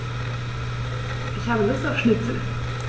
Ich habe Lust auf Schnitzel.